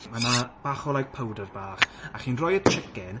Mae 'na bach o like powder bach a chi'n rhoi y chicken...